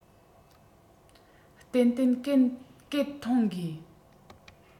ཏན ཏན སྐད ཐོན དགོས